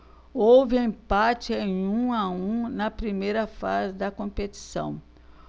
houve empate em um a um na primeira fase da competição